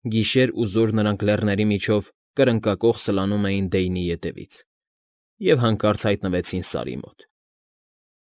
Գիշեր ու զօր նրանք լեռների միջևով կրկնակոխ սլանում էին Դեյնի ետևից և հանկարծ հայտնվեցին Սարի մոտ։